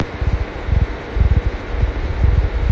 спасибо не стоит